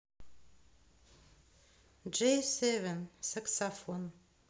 джей севен саксофон